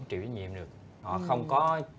trách nhiệm được họ không có